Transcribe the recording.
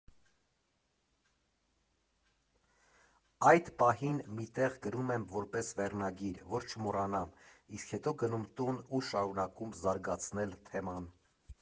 Այդ պահին մի տեղ գրում եմ որպես վերնագիր, որ չմոռանամ, իսկ հետո գնում տուն ու շարունակում զարգացնել թեման։